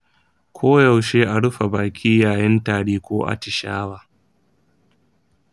koyaushe a rufe baki yayin tari ko atishawa.